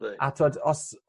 a t'od os